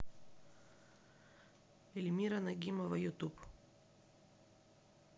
ильмира нагимова ютуб